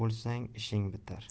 bo'lsang ishing bitar